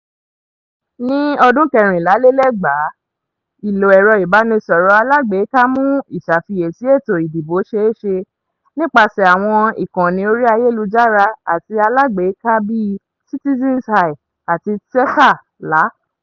Ní ọdún 2014, ìlò ẹ̀rọ ìbánisọ̀rọ̀ alágbèéká mú ìṣàfiyèsí ètò ìdìbò ṣeéṣe nípasẹ̀ àwọn ìkànnì orí ayélujára àti alágbèéká bíi Citizen's Eye àti Txeka-lá.